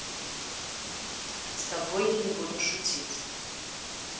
с тобой я не буду шутить